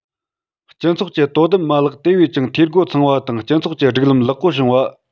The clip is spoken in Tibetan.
སྤྱི ཚོགས ཀྱི དོ དམ མ ལག དེ བས ཀྱང འཐུས སྒོ ཚང བ དང སྤྱི ཚོགས ཀྱི སྒྲིག ལམ ལེགས པོ བྱུང བ